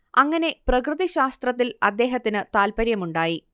അങ്ങനെ പ്രകൃതി ശാസ്ത്രത്തിൽ അദ്ദേഹത്തിന് താല്പര്യമുണ്ടായി